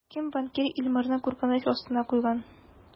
Кем банкир Илмарны куркыныч астына куйган?